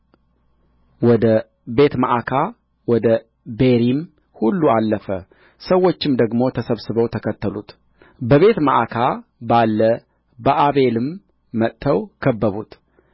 ወደ ቤትመዓካ ወደ ቤሪም ሁሉ አለፈ ሰዎችም ደግሞ ተሰብስበው ተከተሉት በቤትመዓካ ባለ በአቤልም መጥተው ከበቡት